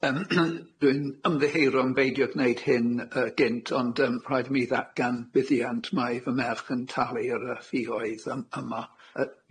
Yym dwi'n ymddiheuro am beidio gneud hyn yy gynt ond yym rhaid i mi ddatgan buddiant mae fy merch yn talu'r yy ffïoedd ym- yma.